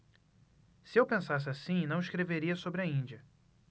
se eu pensasse assim não escreveria sobre a índia